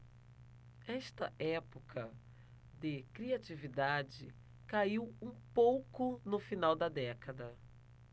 esta época de criatividade caiu um pouco no final da década